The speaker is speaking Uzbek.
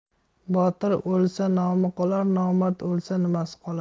botir o'lsa nomi qolar nomard o'lsa nimasi qolar